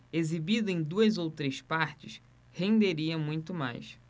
exibida em duas ou três partes renderia muito mais